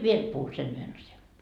vielä puhun sen yhden asian